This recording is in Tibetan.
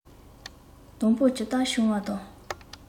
དང པོ ཇི ལྟར བྱུང བ དང